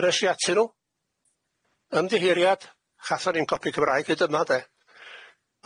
Yr Asiatynw, ymddiheuriad, chathon ni'n copi Cymraeg i dyma de.